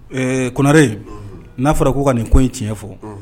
Ɛɛ konare n'a fɔra ko ka nin ko in tiɲɛ fɔ, ɔnhɔn.